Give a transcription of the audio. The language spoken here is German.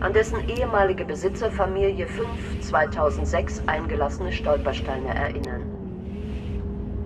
an dessen ehemalige Besitzerfamilie fünf 2006 eingelassenen „ Stolpersteine “erinnern.